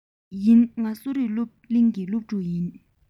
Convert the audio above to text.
ཡིན ང གསོ རིག སློབ གླིང གི སློབ ཕྲུག ཡིན